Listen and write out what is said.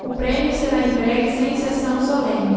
o prêmio será entregue sem sessão solene